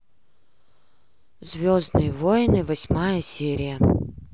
звездные войны восьмая серия